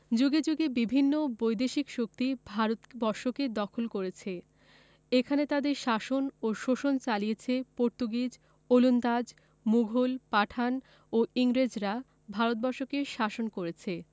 যুগে যুগে বিভিন্ন বৈদেশিক শক্তি ভারতবর্ষকে দখল করেছে এখানে তাদের শাসন ও শোষণ চালিয়েছে পর্তুগিজ ওলন্দাজ মুঘল পাঠান ও ইংরেজরা ভারত বর্ষকে শাসন করেছে